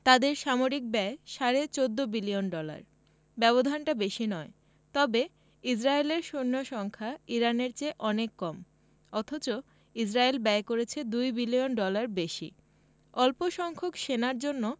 তাদের সামরিক ব্যয় সাড়ে ১৪ বিলিয়ন ডলার ব্যবধানটা বেশি নয় তবে ইসরায়েলের সৈন্য সংখ্যা ইরানের চেয়ে অনেক কম অথচ ইসরায়েল ব্যয় করছে ২ বিলিয়ন ডলার বেশি অল্পসংখ্যক সেনার জন্য